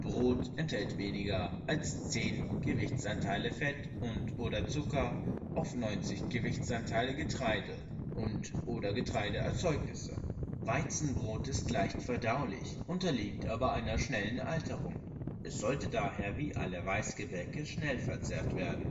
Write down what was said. Brot enthält weniger als 10 Gewichtsanteile Fett und/oder Zucker auf 90 Gewichtsanteile Getreide und/oder Getreideerzeugnisse. Weizenbrot ist leicht verdaulich, unterliegt aber einer schnellen Alterung. Es sollte daher, wie alle Weißgebäcke, schnell verzehrt werden